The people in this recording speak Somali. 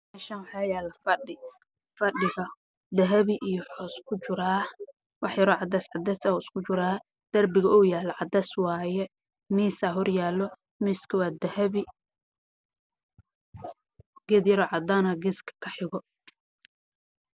Meshaan waxaa yaalo fadhi